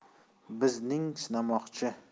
bizning sinamoqchi